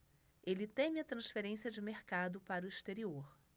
ele teme a transferência de mercado para o exterior